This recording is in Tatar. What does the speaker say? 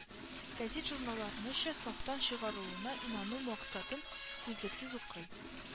Гәзит-журналларны ча сафтан чыгарылуына инану максатын күзлексез укый